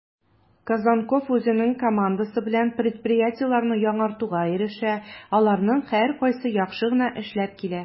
Козонков үзенең командасы белән предприятиеләрне яңартуга ирешә, аларның һәркайсы яхшы гына эшләп килә: